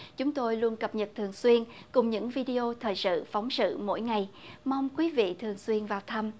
chúng tôi luôn cập nhật thường xuyên cùng những vi đi ô thời sự phóng sự mỗi ngày mong quý vị thường xuyên vào thăm